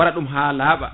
waara ɗum ha laaɓa